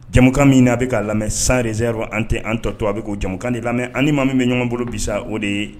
Jamukan min n'a' bɛ ka lamɛ sans réserve an tɛ an tɔ to a bɛ k'o jamukan de lamɛ ani maa min bɛ ɲɔgɔn bolo bi sa o de ye